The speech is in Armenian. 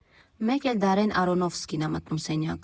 Մեկ էլ Դարեն Արոնոֆսկին ա մտնում սենյակ…